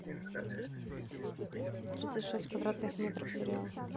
тридцать шесть квадратных метров сериал